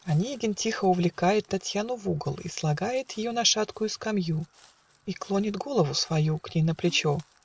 Онегин тихо увлекает Татьяну в угол и слагает Ее на шаткую скамью И клонит голову свою К ней на плечо